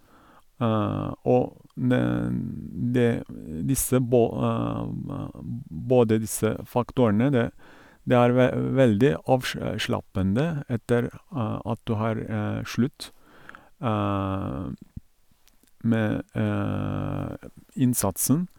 Og n det disse bå både disse faktorene, det det er ve veldig avsj slappende etter at du har slutt med innsatsen.